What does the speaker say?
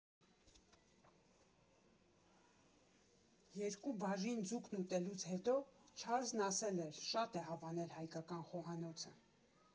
Երկու բաժին ձուկն ուտելուց հետո Չարլզն ասել էր՝ շատ է հավանել հայկական խոհանոցը։